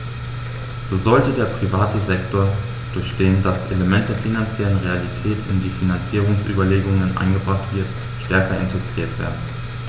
So sollte der private Sektor, durch den das Element der finanziellen Realität in die Finanzierungsüberlegungen eingebracht wird, stärker integriert werden.